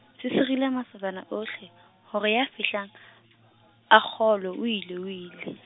se serile masobana ohle, hore ya fihlang , a kgolwe o ile o ile.